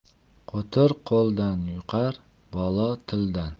qo'tir qo'ldan yuqar balo tildan